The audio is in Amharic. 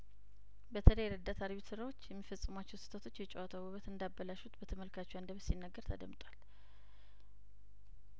በተለይረዳት አርቢትሮች የሚፈጽሟቸው ስህተቶች የጨዋታው ውበት እንዳ በላሹት በተመልካቹ አንደበት ሲነገር ተደምጧል